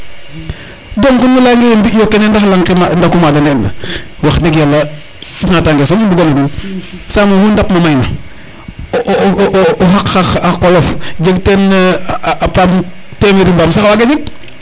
donc nu leya nge ye mbiyo kene ndax laŋ ke ndaku made nde ina wax deg yala natange soom i mbuga nu nuun saam oxu ndap na mayna o o xaq xa qolof jeg teen xa paam temeri mbaam sax a waga jeg